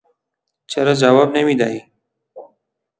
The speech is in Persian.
چرا جواب نمی‌دهی؟!